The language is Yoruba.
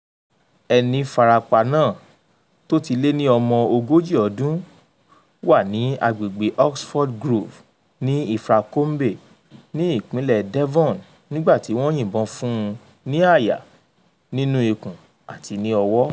Ẹni farapa náà, tó ti lé ní ọmọ ogójì ọdún, wà ní àgbègbè Oxford Grove ní Ilfracombe, ní ìpínlẹ̀ Devon, nígbà tí wọ́n yìnbọn fún un ní àyà, nínú ikùn àti ní ọwọ́.